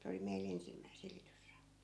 se oli meillä ensimmäinen silitysrauta